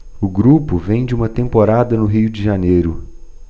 o grupo vem de uma temporada no rio de janeiro